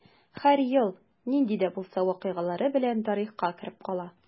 Һәр ел нинди дә булса вакыйгалары белән тарихка кереп кала.